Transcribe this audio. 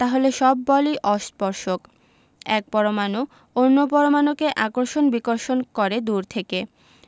তাহলে সব বলই অস্পর্শক এক পরমাণু অন্য পরমাণুকে আকর্ষণ বিকর্ষণ করে দূর থেকে